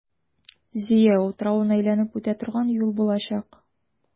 Зөя утравын әйләнеп үтә торган юл булачак.